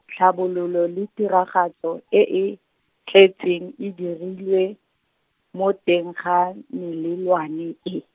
tlhabololo le tiragatso e e, tletseng e dirilwe, mo teng ga, melelwane e.